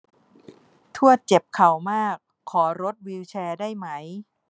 ทวดเจ็บเข่ามากขอรถวีลแชร์ได้ไหม